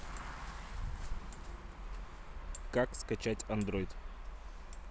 как скачать андроид